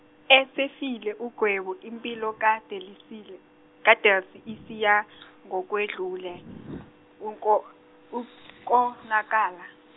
esefile uGwebu impilo kaDelisile, kaDelsie isiyangokwendlule, unko- ukonakala.